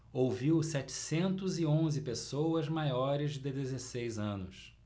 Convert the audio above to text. ouviu setecentos e onze pessoas maiores de dezesseis anos